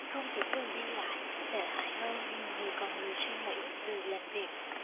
không chỉ lười đi lại tệ hại hơn nhiều người còn lười suy nghĩ lười làm việc